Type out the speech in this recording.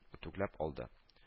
Үтүкләп алды